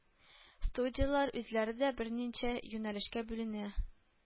Студияләр үзләре дә берничә юнәлешкә бүленә